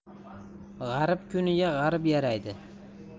g'arib kuniga g'arib yaraydi